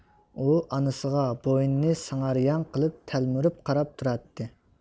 ئۇ ئانىسىغا بوينىنى سىڭاريان قىلىپ تەلمۈرۈپ قاراپ تۇراتتى